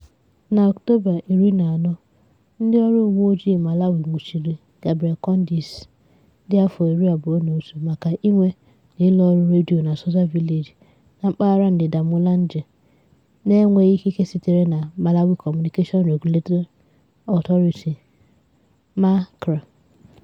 N'Ọktọba 14th Ndịọrụ Uweojii Malawi nwụchiri Gabriel Kondesi dị afọ 21 maka inwe na ịrụ ọrụ redio na Soza Village na mpaghara ndịda Mulanje, na-enweghị ikike sitere na Malawi Communications Regulatory Authority (MACRA).